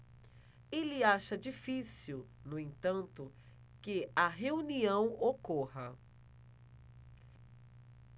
ele acha difícil no entanto que a reunião ocorra